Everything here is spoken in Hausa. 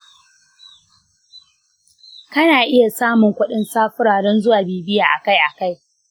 kana iya samun kuɗin safura don zuwa bibiya akai-akai?